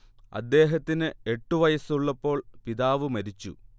അദ്ദേഹത്തിന് എട്ടു വയസ്സുള്ളപ്പോൾ പിതാവ് മരിച്ചു